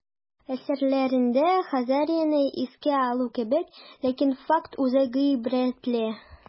Әсәрләрендә Хазарияне искә алу кебек, ләкин факт үзе гыйбрәтле.